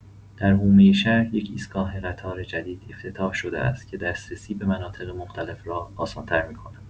در حومه شهر، یک ایستگاه قطار جدید افتتاح شده است که دسترسی به مناطق مختلف را آسان‌تر می‌کند.